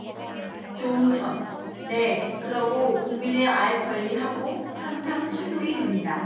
조응천 네 그러고 국민의 알권리 하고 항상 충돌이 됩니다